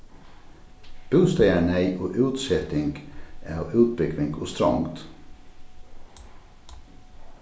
bústaðarneyð og útseting av útbúgving og strongd